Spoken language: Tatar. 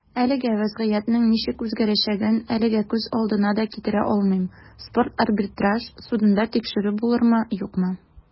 Әлеге вәзгыятьнең ничек үзгәрәчәген әлегә күз алдына да китерә алмыйм - спорт арбитраж судында тикшерү булырмы, юкмы.